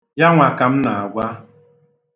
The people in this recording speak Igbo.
Yanwa ka m na-agwa.